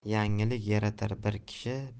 yangilik yaratar bir kishi